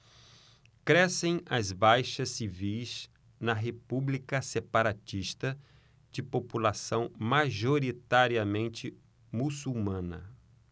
crescem as baixas civis na república separatista de população majoritariamente muçulmana